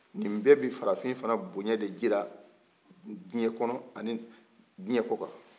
nin bɛɛ bɛ farafin fana bonya de jira diɲɛ kɔnɔ ani diɲɛ kɔ